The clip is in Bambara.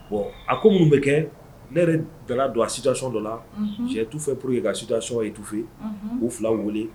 Bon a ko mun bɛ kɛ ne yɛrɛ bɛ na don a situation dɔ la. Unhun. J'ai tout fait pour que k'a situation étouffée . Unhun. K'u 2 wele.